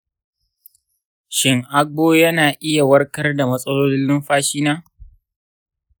shin agbo yana iya warkar da matsalolin numfashina?